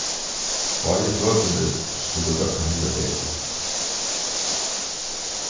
báðir føturnir skulu røkka niður á vegin